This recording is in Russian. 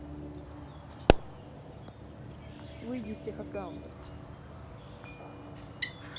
выйди из всех аккаунтов